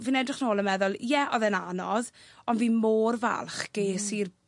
Fi'n edrych nôl a meddwl ie odd e 'n anodd on' fi mor falch ges i'r